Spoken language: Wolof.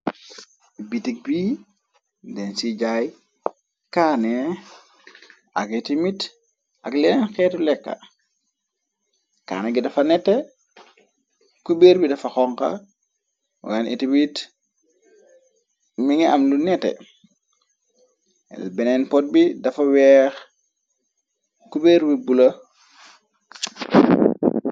bitik bi denn ci jaay kaane ak iti mit ak leneen xeetu lekka kaane gi dafa nette cubeer bi dafa xonka wanen iti wit mi nga am lu nette beneen pot bi dafa weex cuber wig bula